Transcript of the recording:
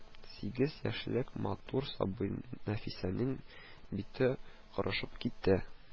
Сигез яшьлек матур сабый Нәфисәнең бите корышып кипте